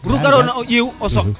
ru garona o yiiw o soɓ